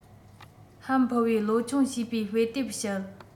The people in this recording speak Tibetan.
ཧམ ཕུ བོས ལོ ཆུང བྱིས པའི དཔེ དེབ བཤད